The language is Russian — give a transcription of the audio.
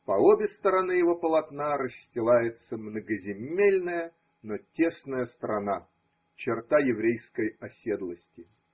По обе стороны его полотна расстилается многоземельная, но тесная страна – черта еврейской оседлости.